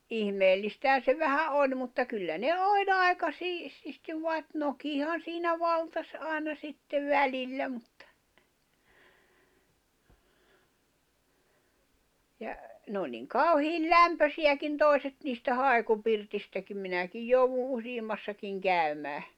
ihmeellistähän se vähän oli mutta kyllä ne oli aika siististi vaan nokihan siinä valtasi aina sitten välillä mutta ja ne oli niin kauhean lämpöisiäkin toiset niistä haikupirteistäkin minäkin jouduin useammassakin käymään